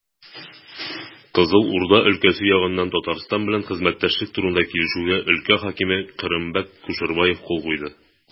Кызыл Урда өлкәсе ягыннан Татарстан белән хезмәттәшлек турында килешүгә өлкә хакиме Кырымбәк Кушербаев кул куйды.